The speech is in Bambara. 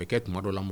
Bɛ kɛ kuma dɔ la mɔgɔ